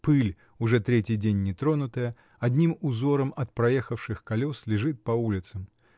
Пыль, уже третий день нетронутая, одним узором от проехавших колес лежит по улицам